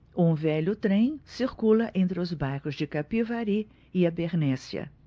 um velho trem circula entre os bairros de capivari e abernéssia